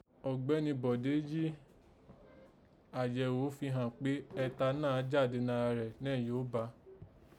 Ọ̀gbẹ́ni Bọ̀dé jí àyẹ̀ghò fi hàn pé ẹta náà jáde nara rẹ̀ nẹ̀yìn yìí ó bàá